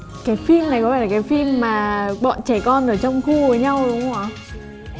cái phim này có phải là cái phim mà bọn trẻ con ở trong khu với nhau đúng không ạ